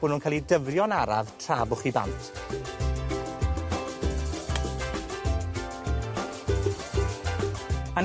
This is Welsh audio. bo' nw'n ca'l 'u dyfrio'n araf tra bo' chi bant. Yn